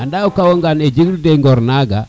anda o kawa ngaan to jegi ro teen ŋor naga